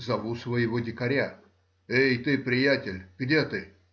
Зову своего дикаря: — Эй ты, приятель! где ты?